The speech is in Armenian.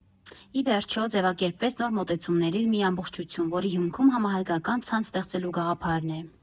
Ի վերջո, ձևակերպվեց նոր մոտեցումների մի ամբողջություն, որի հիմքում համահայկական ցանց ստեղծելու գաղափարն է։